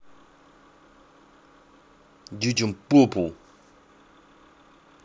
детям попу